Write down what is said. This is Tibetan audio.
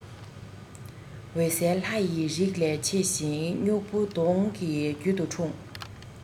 འོད གསལ ལྷ ཡི རིགས ལས མཆེད ཅིང སྨུག པོ གདོང གི རྒྱུད དུ འཁྲུངས